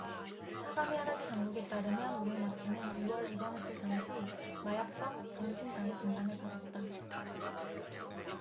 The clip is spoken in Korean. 사가미하라시 당국에 따르면 우에마쓰는 이 월 입원했을 당시 마약성 정신장애진단을 받았다